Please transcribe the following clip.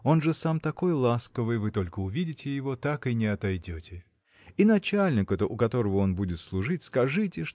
он же сам такой ласковый: вы только увидите его, так и не отойдете. И начальнику-то у которого он будет служить скажите